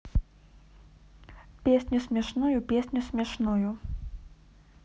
песню смешную песню смешную